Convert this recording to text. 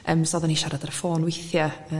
yym so oddan ni siarad ar y ffôn wiithia